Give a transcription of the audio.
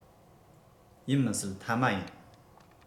ཡིན མི སྲིད མཐའ མ ཡིན